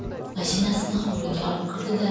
mashinasini hovliga olib kirdi da